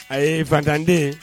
A ye bantanden